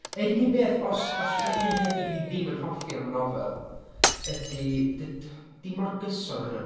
Yr unig beth os os fysa un peth dydw i ddim yn hoffi am y nofel ydy, dyd- 'di o'm mor gyson â hynna.